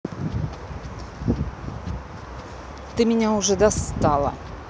ты мне уже достала